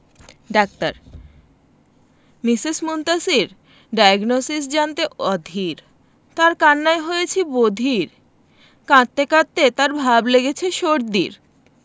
doctor Mrs Muntasir diagnosis জানতে অধীর তার কান্নায় হয়েছি বধির কাঁদতে কাঁদতে তার ভাব লেগেছে সর্দির